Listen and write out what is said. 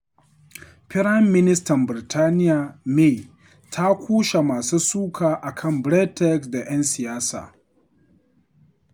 Firaministan Birtaniyya May ta kushe masu suka a kan Brexit da ‘yin siyasa’